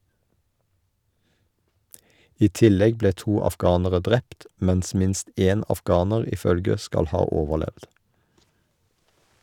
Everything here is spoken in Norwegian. I tillegg ble to afghanere drept, mens minst en afghaner i følget skal ha overlevd.